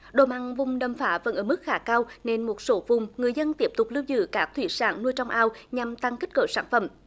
độ mặn vùng đầm phá vẫn ở mức khá cao nên một số vùng người dân tiếp tục lưu giữ các thủy sản nuôi trong ao nhằm tăng kích cỡ sản phẩm